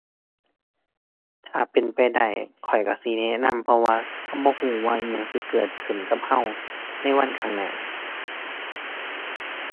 ถ้าเป็นไปได้ข้อยก็สิแนะนำ เพราะว่าก็บ่ก็ว่าอิหยังสิเกิดขึ้นกับก็ในวันข้างหน้า